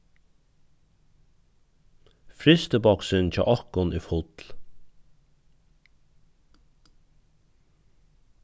frystiboksin hjá okkum er full